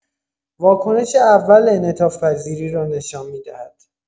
واکنش اول انعطاف‌پذیری را نشان می‌دهد